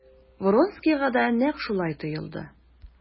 Вронскийга да нәкъ шулай тоелды.